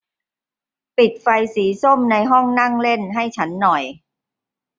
ปิดไฟสีส้มในห้องนั่งเล่นให้ฉันหน่อย